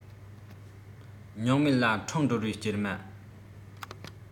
སྙིང མེད ལ འཕྲང སྒྲོལ བའི སྐྱེལ མ